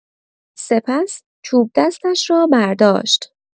سپس چوب‌دستش را برداشت.